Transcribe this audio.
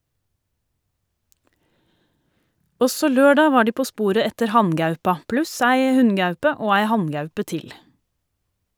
Også lørdag var de på sporet etter hanngaupa, pluss ei hunngaupe og ei hanngaupe til.